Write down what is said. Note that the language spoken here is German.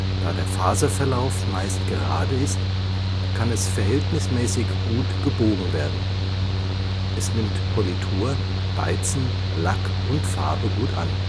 Da der Faserverlauf meist gerade ist, kann es verhältnismäßig gut gebogen werden. Es nimmt Politur, Beizen, Lack und Farbe gut an